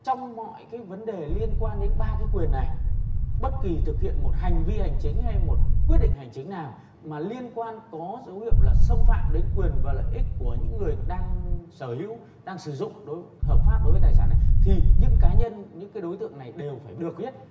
trong mọi vấn đề liên quan đến ba cái quyền này bất kỳ thực hiện một hành vi hành chính hay một quyết định hành chính nào mà liên quan có dấu hiệu là xâm phạm đến quyền và lợi ích của những người đang sở hữu đang sử dụng đối hợp pháp đối tài sản này thì những cá nhân những đối tượng này đều phải được biết